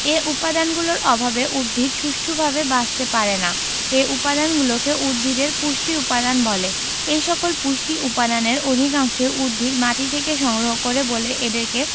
এ উপাদানগুলোর অভাবে উদ্ভিদ সুষ্ঠুভাবে বাঁচতে পারে না এ উপাদানগুলোকে উদ্ভিদের পুষ্টি উপাদান বলে এসকল পুষ্টি উপাদানের অধিকাংশই উদ্ভিদ মাটি থেকে সংগ্রহ করে বলে এদেরকে